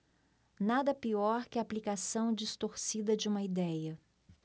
nada pior que a aplicação distorcida de uma idéia